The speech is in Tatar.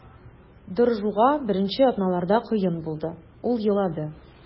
Доржуга беренче атналарда кыен булды, ул елады.